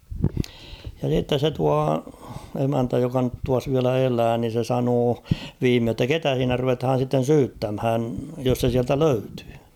ja sitten se tuo emäntä joka nyt tuossa vielä elää niin se sanoi viimein että ketä siinä ruvetaan sitten syyttämään jos se sieltä löytyy